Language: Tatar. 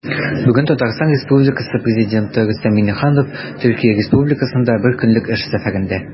Бүген Татарстан Республикасы Президенты Рөстәм Миңнеханов Төркия Республикасында бер көнлек эш сәфәрендә.